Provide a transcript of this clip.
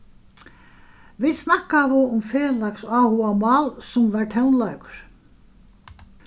vit snakkaðu um felags áhugamál sum var tónleikur